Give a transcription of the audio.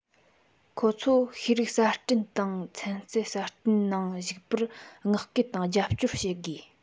ཁོང ཚོ ཤེས རིག གསར སྐྲུན དང ཚན རྩལ གསར སྐྲུན ནང ཞུགས པར བསྔགས སྐུལ དང རྒྱབ སྐྱོར བྱེད དགོས